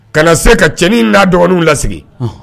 Ka na se ka cɛnin n'a dɔgɔninw lasigi